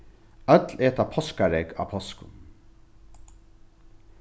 øll eta páskaregg á páskum